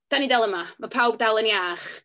Dan ni dal yma, mae pawb dal yn iach.